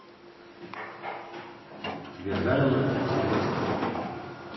вязание чепчиков